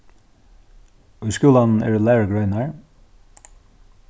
í skúlanum eru lærugreinar